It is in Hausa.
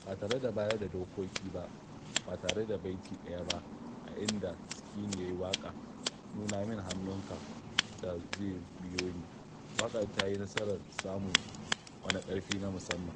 Ba tare da bayar da dokoki ba (ba tare da baiti ɗaya ba a inda Skinny ya yi waƙa "nuna min hannunka" da "zo biyo ni"), waƙar ta yi nasarar samun wani ƙarfi na musamman.